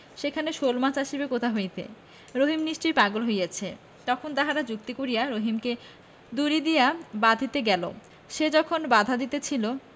সেখানে শোলমাছ আসিবে কোথা হইতে রহিম নিশ্চয়ই পাগল হইয়াছে তখন তাহারা যুক্তি করিয়া রহিমকে দড়ি দিয়া বাধিতে গেল সে যখন বাধা দিতেছিল